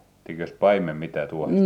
tekikös paimen mitään tuohesta